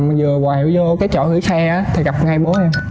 vừa vô cái chỗ gửi xe á thì gặp ngay bố em